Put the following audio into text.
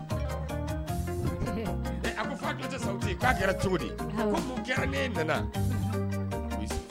Ni a koa kɛra cogo di kɛra